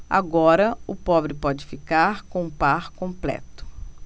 agora o pobre pode ficar com o par completo